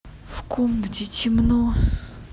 в комнате темно